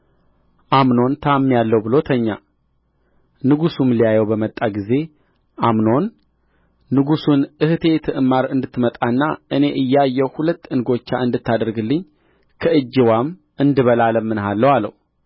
አምኖን ታምሜአለሁ ብሎ ተኛ ንጉሡም ሊያየው በመጣ ጊዜ አምኖን ንጉሡን እኅቴ ትዕማር እንድትመጣና እኔ እያየሁ ሁለት እንጎቻ እንድታደርግልኝ ከእጅዋም እንድበላ እለምንሃለሁ አለው